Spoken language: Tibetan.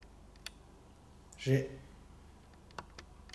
རེད